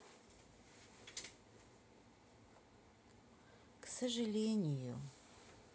к сожалению